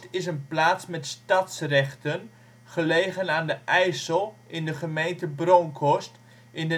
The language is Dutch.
is een plaats met stadsrechten gelegen aan de IJssel in de gemeente Bronckhorst in